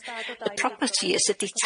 The property is a detached